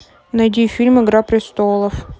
найди фильм игра престолов